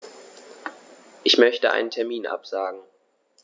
Ich möchte einen Termin absagen.